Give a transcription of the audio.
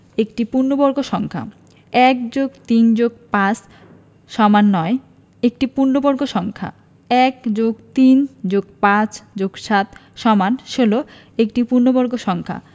একটি পূর্ণবর্গ সংখ্যা ১+৩+৫=৯ একটি পূর্ণবর্গ সংখ্যা ১+৩+৫+৭=১৬ একটি পূর্ণবর্গ সংখ্যা